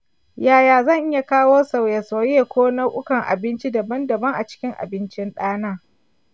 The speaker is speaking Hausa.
yaya zan iya kawo sauye-sauye ko nau'ukan abinci daban-daban a cikin abincin ɗana?